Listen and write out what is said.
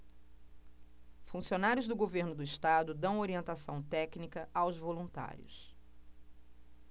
funcionários do governo do estado dão orientação técnica aos voluntários